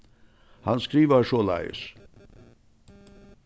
hann skrivar soleiðis